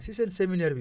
si seen séminaire bi